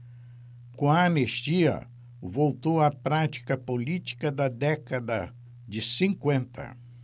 com a anistia voltou a prática política da década de cinquenta